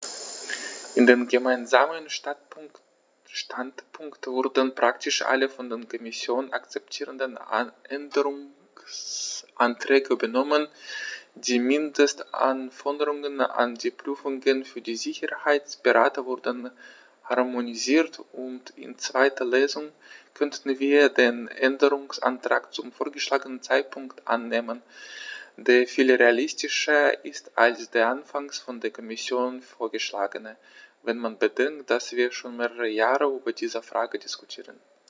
In den gemeinsamen Standpunkt wurden praktisch alle von der Kommission akzeptierten Änderungsanträge übernommen, die Mindestanforderungen an die Prüfungen für die Sicherheitsberater wurden harmonisiert, und in zweiter Lesung können wir den Änderungsantrag zum vorgeschlagenen Zeitpunkt annehmen, der viel realistischer ist als der anfangs von der Kommission vorgeschlagene, wenn man bedenkt, dass wir schon mehrere Jahre über diese Frage diskutieren.